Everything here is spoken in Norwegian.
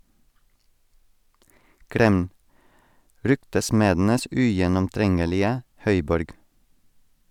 Kreml - ryktesmedenes ugjennomtrengelige høyborg.